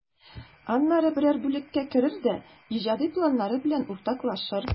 Аннары берәр бүлеккә керер дә иҗади планнары белән уртаклашыр.